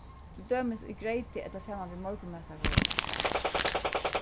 til dømis í greyti ella saman við morgunmatarvørum